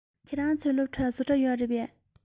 ཁྱོད རང ཚོའི སློབ གྲྭར བཟོ གྲྭ ཡོད རེད པས